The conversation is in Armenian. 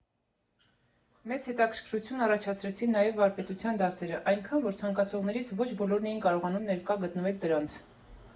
Մեծ հետաքրքրություն առաջացրեցին նաև վարպետության դասերը, այնքան, որ ցանկացողներից ոչ բոլորն էին կարողանում ներկա գտնվել դրանց։